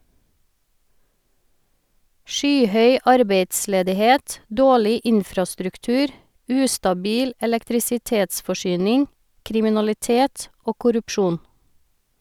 Skyhøy arbeidsledighet, dårlig infrastruktur, ustabil elektrisitetsforsyning, kriminalitet og korrupsjon.